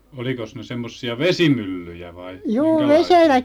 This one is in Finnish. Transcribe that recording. olikos ne semmoisia vesimyllyjä vai minkälaisia